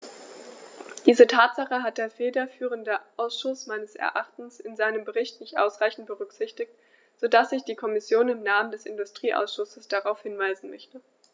Diese Tatsache hat der federführende Ausschuss meines Erachtens in seinem Bericht nicht ausreichend berücksichtigt, so dass ich die Kommission im Namen des Industrieausschusses darauf hinweisen möchte.